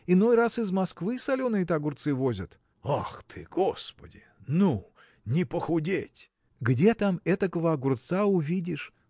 иной раз из Москвы соленые-то огурцы возят. – Ах ты, господи! ну! не похудеть! – Где там этакого огурца увидишь!